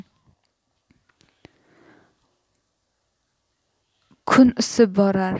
kun isib borar